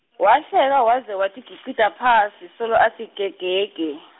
Wahleka waze watigicita phansi, solo atsi gegege.